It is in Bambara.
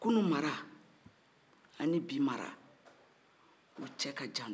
kunun mara ani bi mara o cɛ ka jan